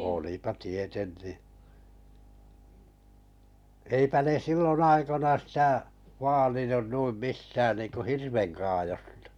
olipa tietenkin eipä ne silloin aikoina sitä vaalinut noin mistään niin kuin hirvenkaadosta